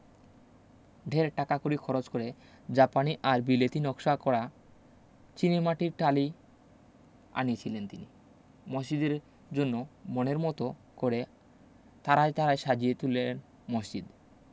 ঢের টাকাকড়ি খরচ করে জাপানি আর বিলেতী নকশা করা চীনেমাটির টালি আনিয়েছিলেন তিনি মসজিদের জন্য মনের মতো করে তারায় তারায় সাজিয়ে তুললেন মসজিদ